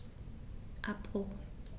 Abbruch.